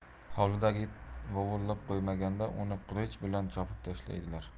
hovlidagi it vovullab qo'ymaganda uni qilich bilan chopib tashlaydilar